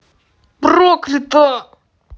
проклята